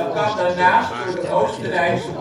kan daarnaast door de oostenrijkse